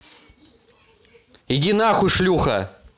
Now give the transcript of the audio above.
иди нахуй шлюха